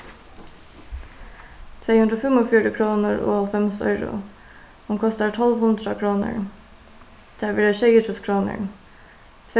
tvey hundrað og fimmogfjøruti krónur og hálvfems oyru hon kostar tólv hundrað krónur tað verða sjeyogtrýss krónur